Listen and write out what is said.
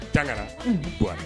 Tan nana